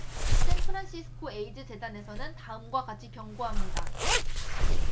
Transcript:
샌프란시스코 에이즈 재단에서는 다음과 같이 경고합니다